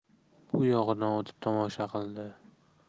buyog'idan o'tib tomosha qildi